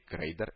Грейдер